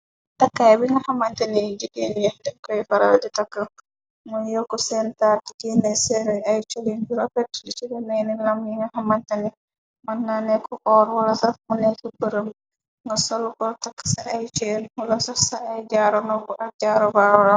Takkaay bi nga xamantani jigéen ñi dañkoy faral di takk, muy yokk seen taar di génne seeni ay colin bu rafet. Surtu lu demee ni lam yi nga xamante be mën naa neekë oor wala sax mu nekki përëm, nga sol ko takk sa ay ceen wala saf sa ay jaaru noopu ak jaaru baawaram.